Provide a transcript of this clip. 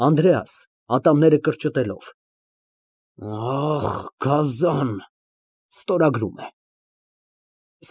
ԱՆԴՐԵԱՍ ֊ (Ատամները կրճտելով) Ա, գազան։ (Ստորագրում է)։